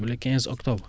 ba le quinze octobre